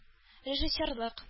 Режиссерлык